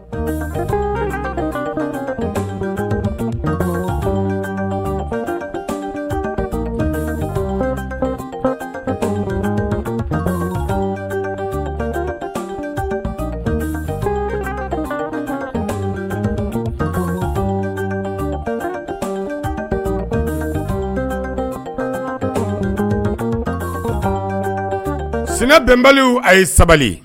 Sina bɛbaliw a ye sabali